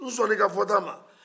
n sɔnna i ka fɔta ma